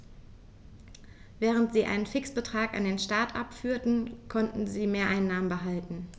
Während sie einen Fixbetrag an den Staat abführten, konnten sie Mehreinnahmen behalten.